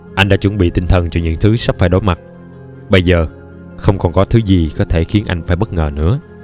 anh đã chuẩn bị tinh thần cho những thứ sắp phải đối mặt bây giờ không còn có thứ gì có thể khiến anh phải bất ngờ nữa